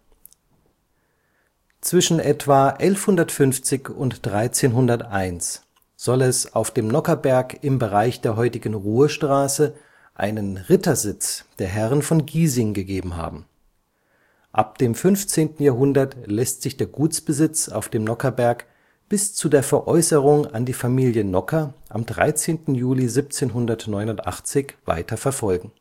Zwischen etwa 1150 und 1301 soll es auf dem Nockherberg im Bereich der heutigen Ruhestraße einen Rittersitz der Herren von Giesing gegeben haben. Ab dem 15. Jahrhundert lässt sich der Gutsbesitz auf dem Nockherberg bis zu der Veräußerung an die Familie Nockher am 13. Juli 1789 weiter verfolgen